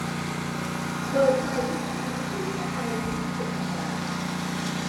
เปิดไฟทุกครั้งที่เข้าไปในห้องเก็บของ